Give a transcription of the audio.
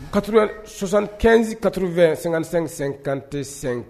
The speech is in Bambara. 80; 75 80 55-55